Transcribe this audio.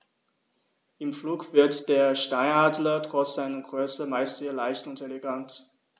Im Flug wirkt der Steinadler trotz seiner Größe meist sehr leicht und elegant.